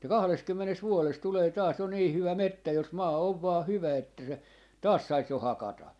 että kahdessakymmenessä vuodessa tulee taas jo niin hyvä metsä jos maa on vain hyvä että sen taas saisi jo hakata